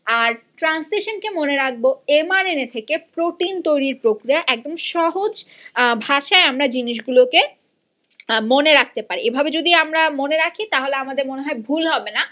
আর translation কে মনে রাখবো এম আর এন এ থেকে প্রোটিন তৈরির প্রক্রিয়া একদম সহজ ভাষা আমরা জিনিসগুলোকে মনে রাখতে পারি এভাবে যদি আমার মনে রাখি তাহলে আমাদের মনে হয় ভুল হবে না